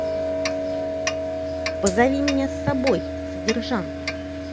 позови меня с собой содержанки